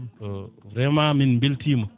vraiment min beltima